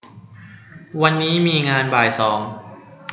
วันนี้มีงานบ่ายสอง